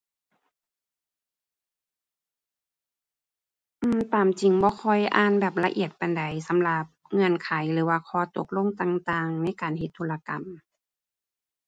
อือ ตามจริงบ่ค่อยอ่านแบบละเอียดปานใดสำหรับ เงื่อนไขหรือว่าข้อตกลงต่างต่างในการเฮ็ดธุรกรรม